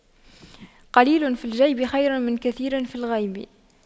قليل في الجيب خير من كثير في الغيب